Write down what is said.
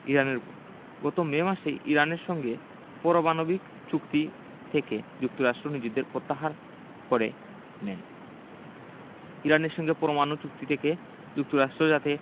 ইরানের ওপর গত মে মাসে ইরানের সঙ্গে পরমাণবিক চুক্তি থেকে যুক্তরাষ্ট্র নিজেদের প্রত্যাহার করে নেন ইরানের সঙ্গে পরমাণু চুক্তি থেকে যুক্তরাষ্ট্র যাতে